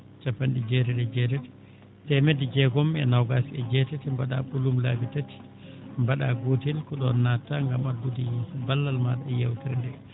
cappanɗe jeetati e jeetati teemedɗe jeegom e noogaas e jeetati mbaɗaa ɓolum laabi tati mbaɗaa gootel ko ɗoon nattaa ngam addude ballal maaɗa e yeewtere ndee